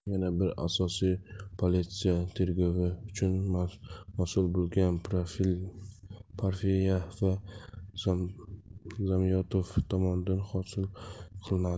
yana bir asos politsiya tergovi uchun masul bo'lgan porfiriy va zamyotov tomonidan hosil qilinadi